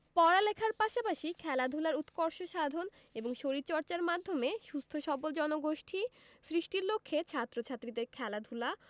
পড়ালেখার পাশাপাশি খেলাধুলার উৎকর্ষ সাধন এবং শরীরচর্চার মাধ্যমে সুস্থ সবল জনগোষ্ঠী সৃষ্টির লক্ষ্যে ছাত্র ছাত্রীদের খেলাধুলা